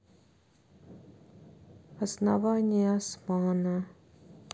основание османа